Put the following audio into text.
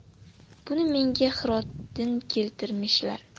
buni menga hirotdin keltirmishlar